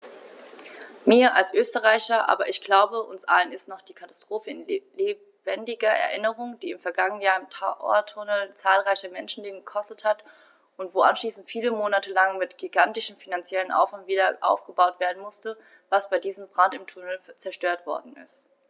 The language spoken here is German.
Mir als Österreicher, aber ich glaube, uns allen ist noch die Katastrophe in lebendiger Erinnerung, die im vergangenen Jahr im Tauerntunnel zahlreiche Menschenleben gekostet hat und wo anschließend viele Monate lang mit gigantischem finanziellem Aufwand wiederaufgebaut werden musste, was bei diesem Brand im Tunnel zerstört worden ist.